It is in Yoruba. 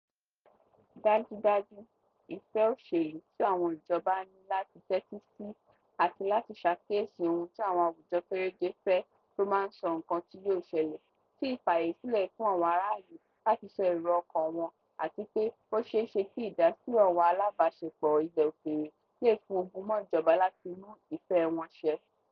Dájúdájú ìfẹ́ òṣèlú tí àwọn ìjọba ní láti tẹ́tí sí àti láti ṣàkíyèsí ohun tí àwọn àwùjọ kéréjé fẹ́ ló má sọ nnkan tí yóò ṣẹlẹ̀, tí ìfààyè sílẹ̀ fún àwọn aráàlú láti sọ èrò ọkàn wọn àti pé ó ṣeé ṣe kí ìdásí àwọn àlábáṣepọ̀ ilẹ̀ òkèèrè lè fún ogún mọ́ ijoba láti mú ìfẹ́ wọn ṣẹ.